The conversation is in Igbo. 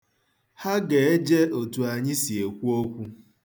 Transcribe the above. Ha ga-eje etu anyị si ekwu okwu.